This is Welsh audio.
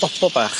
Bobol bach.